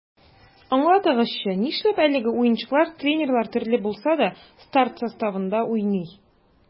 Аңлатыгызчы, нишләп әлеге уенчылар, тренерлар төрле булса да, старт составында уйный?